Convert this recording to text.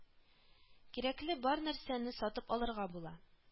Кирәкле бар нәрсәне сатып алырга була